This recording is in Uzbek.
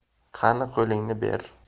qani qo'lingni ber